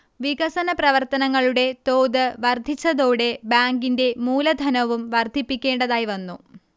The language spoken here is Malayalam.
വികസന പ്രവർത്തനങ്ങളുടെ തോത് വർധിച്ചതോടെ ബാങ്കിന്റെ മൂലധനവും വർധിപ്പിക്കേണ്ടതായിവന്നു